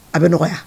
A bɛ nɔgɔya